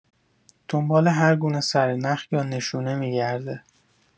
دنبال هرگونه سرنخ یا نشونه می‌گرده